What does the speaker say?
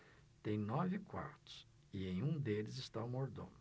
tem nove quartos e em um deles está o mordomo